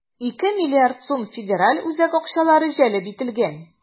2 млрд сум федераль үзәк акчалары җәлеп ителгән.